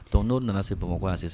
Donc n'o nana se Bamakɔ yan sisan